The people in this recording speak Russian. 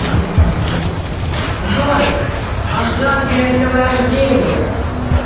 джой поздравь меня с днем рождения